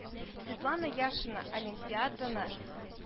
Светлана Яшина олимпиаданы